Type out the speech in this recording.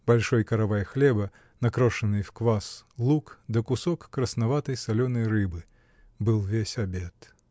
Большой каравай хлеба, накрошенный в квас лук да кусок красноватой соленой рыбы — был весь обед.